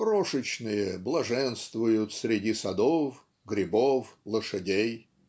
крошечные блаженствуют среди садов, грибов, лошадей.